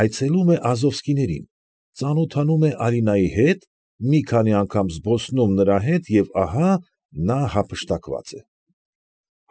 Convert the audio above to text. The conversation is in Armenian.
Այցելում է Ազովսկիներին, ծանոթանում է Ալինայի հետ, մի քանի անգամ զբոսնում է նրա հետ. և ահա նա հափշտակված է։